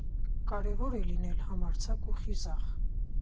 Կարևոր է լինել համարձակ ու խիզախ։